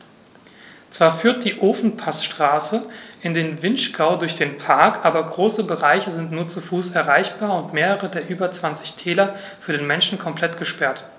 Zwar führt die Ofenpassstraße in den Vinschgau durch den Park, aber große Bereiche sind nur zu Fuß erreichbar und mehrere der über 20 Täler für den Menschen komplett gesperrt.